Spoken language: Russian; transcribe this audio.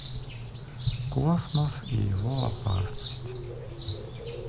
космос и его опасность